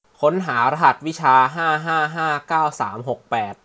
ค้นหารหัสวิชาห้าห้าห้าเก้าสามหกแปด